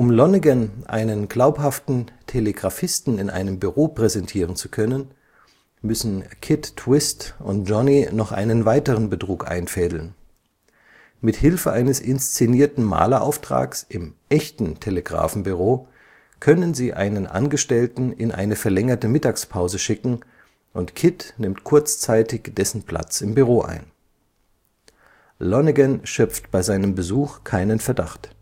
Lonnegan einen glaubhaften Telegrafisten in einem Büro präsentieren zu können, müssen Kid Twist und Johnny noch einen weiteren Betrug einfädeln. Mithilfe eines inszenierten Malerauftrags im echten Telegrafenbüro können sie einen Angestellten in eine verlängerte Mittagspause schicken und Kid nimmt kurzzeitig dessen Platz im Büro ein. Lonnegan schöpft bei seinem Besuch keinen Verdacht